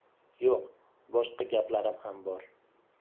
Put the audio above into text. yo'q boshqa gaplarim ham bor